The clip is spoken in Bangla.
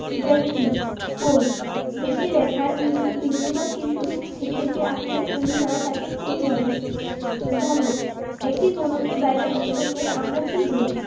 জ্যামিতিঃ কোণঃ দুইটি রেখার মিলিত বিন্দু বা শীর্ষ বিন্দু থেকে যে আকৃতি তৈরি হয় তাকে কোণ বলে ঘনকঃ একটি ঘনকের বাইরের অংশকে আমরা কী বলি